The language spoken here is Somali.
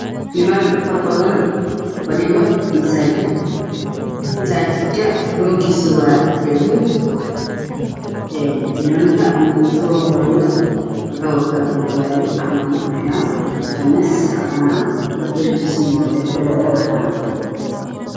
Waa niman aad u faro badan oo kujiro masaajid rooga waa gaduud, ninka ugu soo horeeyo waxuu wataa ookiyaalo cimaamad cadaan ah iyo qamiis cadaan ah, garkiisa waa gar dheer oo cadaan ah.